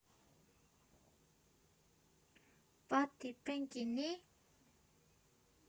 Պա տի պեն կինի՞։